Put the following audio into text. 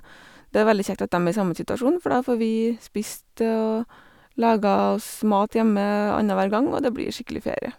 Det er veldig kjekt at dem er i samme situasjon for da får vi spist og laget oss mat hjemme annenhver gang, og det blir skikkelig ferie.